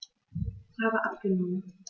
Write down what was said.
Ich habe abgenommen.